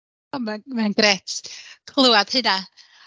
Oo ma ma'n grêt clywed hynna.